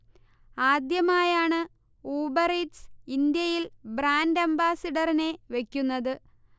ആദ്യമായാണ് Uber Eats ഇന്ത്യയിൽ brand അംബാസഡറിനെ വയ്ക്കുന്നത്